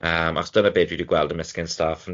Yym achos dyna be dwi wedi gweld ymysg ein staff